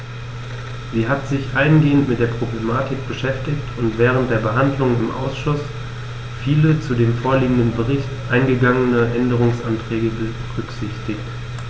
Sie hat sich eingehend mit der Problematik beschäftigt und während der Behandlung im Ausschuss viele zu dem vorliegenden Bericht eingegangene Änderungsanträge berücksichtigt.